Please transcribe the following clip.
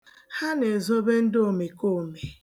Ha na-ezobe ndị omekome.